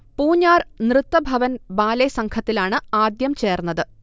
Poonjar Nrithabhavan ballet സംഘത്തിലാണ് ആദ്യം ചേർന്നത്